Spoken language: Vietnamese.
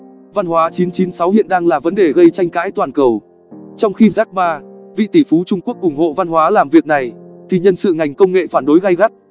văn hóa hiện đang là vấn đề gây tranh cãi toàn cầu trong khi jack ma vị tỷ phú trung quốc ủng hộ văn hóa làm việc này thì nhân sự ngành công nghệ phản đối gay gắt